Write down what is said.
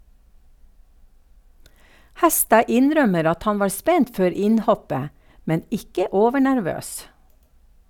Hæstad innrømmer at han var spent før innhoppet, men ikke overnervøs.